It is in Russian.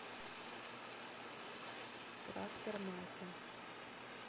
трактор мася